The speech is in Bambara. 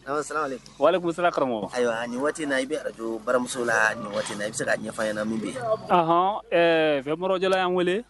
Siran wali kun siran karamɔgɔ ayiwa ɲɔgɔn waati na i bɛj baramuso la na i bɛ se ka ɲɛfɔ ɲɛnaana min bɛ yanhɔn ɛɛ fɛn bɔra jala y yan wele